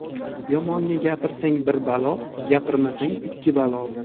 yomonga gapirsang bir balo gapirmasang ikki balo